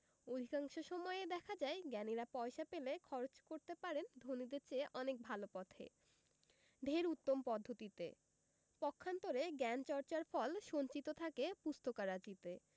অধিকাংশ সময়েই দেখা যায় জ্ঞানীরা পয়সা পেলে খরচ করতে পারেন ধনীদের চেয়ে অনেক ভালো পথে ঢের উত্তম পদ্ধতিতে পক্ষান্তরে জ্ঞানচর্চার ফল সঞ্চিত থাকে পুস্তকরাজিতে